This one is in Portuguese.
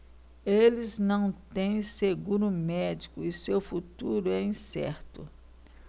eles não têm seguro médico e seu futuro é incerto